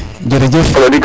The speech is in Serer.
jerejef